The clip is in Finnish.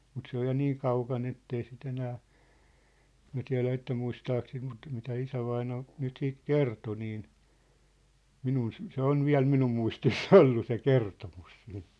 mutta se on ja niin kaukana että ei sitä enää minä tiedä että muistaako sitä mutta mitä isävainaja nyt siitä kertoi niin minun se se on vielä minun muistissa ollut se kertomus siitä